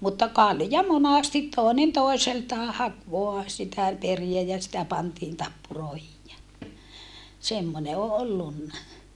mutta kalja monasti toinen toiseltaan haki vain sitä periä ja sitä pantiin tappuroihin ja semmoinen on ollut